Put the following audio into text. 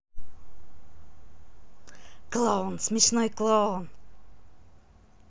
клоун смешной клоун